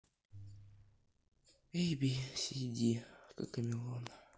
эй би си ди кокомелон